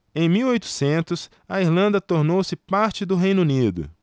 em mil e oitocentos a irlanda tornou-se parte do reino unido